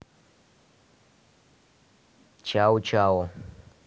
чао чао